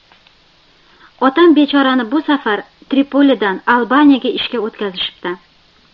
otam bechorani bu safar tripolidan albaniyaga ishga o'tkazishibdi